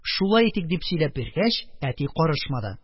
Шулай итик дип сөйләп биргәч, әти карышмады: